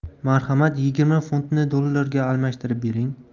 marhamat yigirma funtni dollarga almashtirib bering